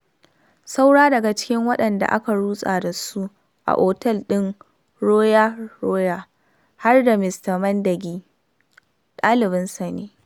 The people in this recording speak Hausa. “A matsayina na wani babba a cikin wasan saukowa daga saman, ni ma ina nawa taƙaicin da nake ji,” inji shi.